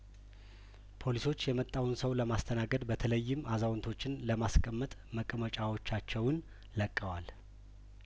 ፖሊሶች የመጣውን ሰው ለማስተናገድ በተለይም አዛውንቶችን ለማስቀመጥ መቀመጫዎቻቸውን ለቀዋል